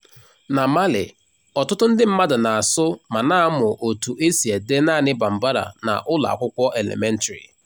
Na Mali, ọtụtụ ndị mmadụ na-asụ ma na-amụ otu esi ede naanị Bambara na ụlọakwụkwọ elementrị.